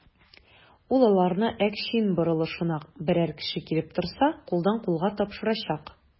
Ул аларны Әкчин борылышына берәр кеше килеп торса, кулдан-кулга тапшырачак.